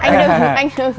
anh đừng anh đừng